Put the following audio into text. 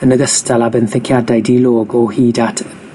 yn ogystal â benthyciadau di-log o hyd at